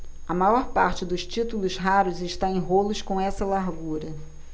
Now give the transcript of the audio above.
a maior parte dos títulos raros está em rolos com essa largura